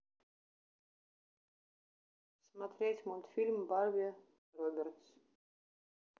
смотреть мультфильм барби робертс